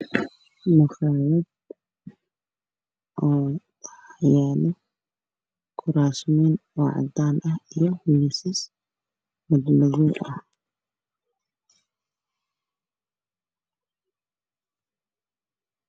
Waa maqaayad yaalo kuraas iyo miisas madow ah